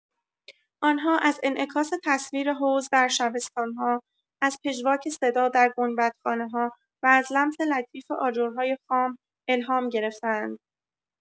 آن‌ها از انعکاس تصویر حوض در شبستان‌ها، از پژواک صدا در گنبدخانه‌ها و از لمس لطیف آجرهای خام، الهام گرفته‌اند.